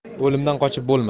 o'limdan qochib bo'lmas